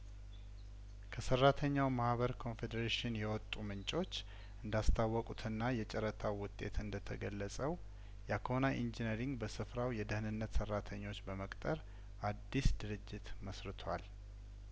ከሰራተኛው ማህበር ኮንፌዴሬሽን የወጡምንጮች እንዳስ ታወቁትና የጨረታው ውጤት እንደተገለጸው ያኮና ኢንጂነሪንግ በስፍራው የደህንነት ሰራተኞች በመቅጠር አዲስ ድርጅት መስርቷል